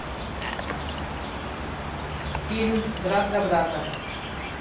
фильм брат за брата